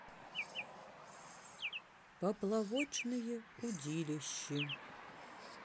поплавочные удилищи